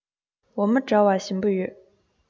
འོ མ འདྲ བ ཞིམ པོ ཡོད